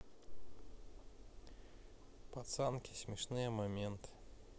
пацанки смешные моменты